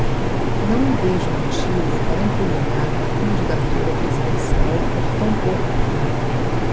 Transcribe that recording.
não vejo motivo para impugnar uma candidatura presidencial por tão pouco crime